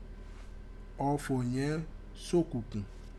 ọfọ̀ yẹ̀n sókùnkùn.